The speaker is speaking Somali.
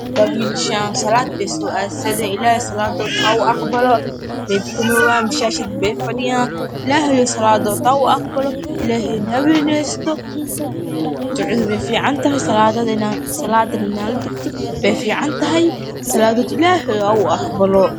War wiilashaan salad ee Soo aadsadayn ilaahi salaadood hau aqbalo weedukanooyaan masaajid bay fadhiyaan ilaahayaw salaadood hau aqbalo ilaahayna haweeneesto ducada weefiicantahay salaada inaa latugto weefiican tahay salaadood ilahay hau aqbalo